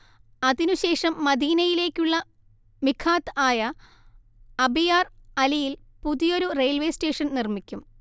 അതിനു ശേഷം മദീനയിലേക്കുള്ള മിഖാത്ത് ആയ അബിയാർ അലിയിൽ പുതിയൊരു റെയിൽവേ സ്റ്റേഷൻ നിർമ്മിക്കും